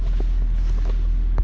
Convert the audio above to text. смотреть новую серию простоквашино